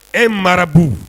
E marabu